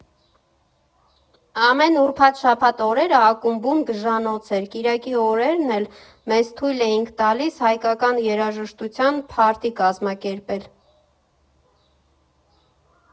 Ամեն ուրբաթ֊շաբաթ օրերը ակումբում գժանոց էր, կիրակի օրերն էլ մեզ թույլ էինք տալիս հայկական երաժշտության փարթի կազմակերպել։